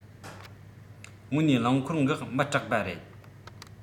དངོས ནས རླངས འཁོར འགག མི སྐྲག པ རེད